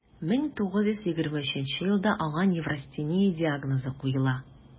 1923 елда аңа неврастения диагнозы куела: